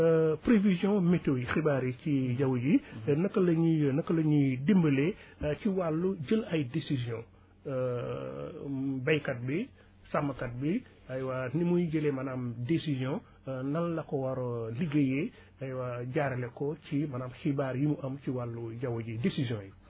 prévision : fra météo yi xibaar yi si jaww ji naka la ñuy naka la ñuy dimbalee ci wàllu jël ay décisions baykat bi sàmmkat bi aywa nu muy jëlee maanaam décision nan la ko war a liggéeyee aywa jaarale ko ci maanaam xibaar yi mu am ci wàllu jaww ji décisions yi